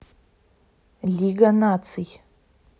лига наций